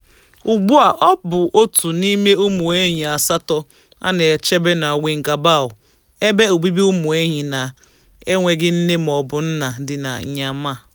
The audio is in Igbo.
Ugbua, ọ bụ otu n'ime ụmụ enyi asatọ a na-echebe na Wingabaw, ebe obibi ụmụ enyi n'enweghị nne mọọbụ nna dị na Myanmar.